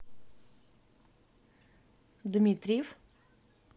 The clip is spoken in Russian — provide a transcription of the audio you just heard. дмитриев